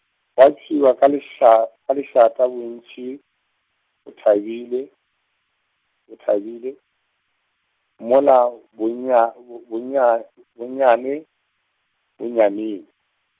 gwa tšwiwa ka leša, ka lešata bontši, bo thabile, bo thabile, mola bonya, b- bonya , bonyane, bo nyamile.